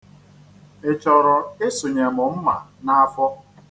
Ị chọrọ ịsụnye m mma n'afọ?